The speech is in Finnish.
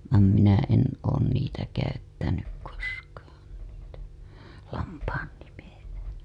vaan minä en olen niitä käyttänyt koskaan niitä lampaan nimiä